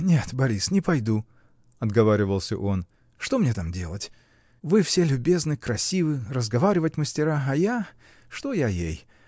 — Нет, Борис, не пойду, — отговаривался он, — что мне там делать: вы все любезны, красивы, разговаривать мастера, а я! Что я ей?